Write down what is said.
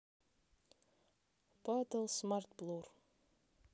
падал smart blur